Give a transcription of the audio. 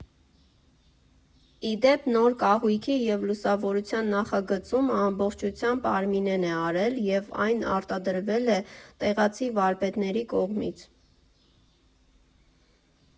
Ի դեպ, նոր կահույքի և լուսավորության նախագծումը ամբողջությամբ Արմինեն է արել և այն արտադրվել է տեղացի վարպետների կողմից։